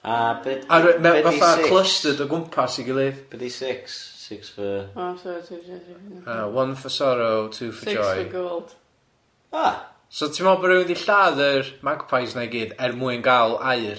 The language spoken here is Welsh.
A bed- a be di six? Mewn fatha clustered o gwmpas i gilydd. Be di six? Six for... One for sorrow two for joy... Six for gold. So ti'n meddwl bod rywun di lladd y magpies na i gyd er mwyn gal aur?